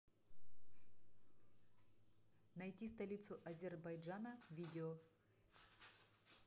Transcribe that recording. найти столицу азербайджана видео